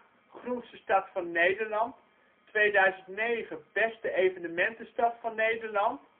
van Nederland 2009: Beste evenementenstad van Nederland